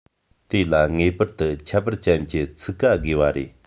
དེ ལ ངེས པར དུ ཁྱད པར ཅན གྱི ཚུགས ཀ དགོས པ རེད